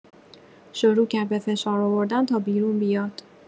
شروع کرد به فشار آوردن تا بیرون بیاد.